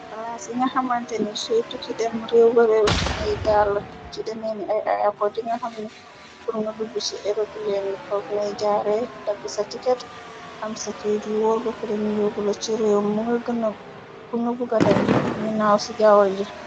Balaas di nga xamante ni soy tukki dem réew baréew ci ngay jaarl li ci deneeni ay ayapo di nga xamna kur nga lugg ci eroplen foog nay jaare dagg sa tiket am sa këyt yu wóor bepreni yoogu la ci réew nbu nga bu ga dem minaaw ci jawaol ji.